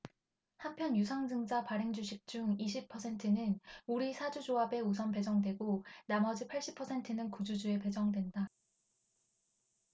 한편 유상증자 발행주식 중 이십 퍼센트는 우리사주조합에 우선 배정되고 나머지 팔십 퍼센트는 구주주에 배정된다